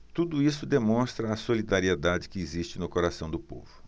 tudo isso demonstra a solidariedade que existe no coração do povo